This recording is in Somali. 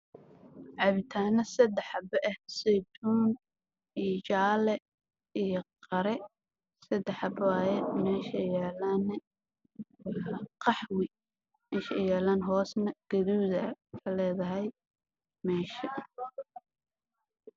Waa sadex kartoon waxaa ku jira caano